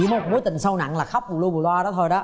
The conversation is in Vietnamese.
cứ một mối tình sâu nặng là khóc lu bù loa đó thôi đó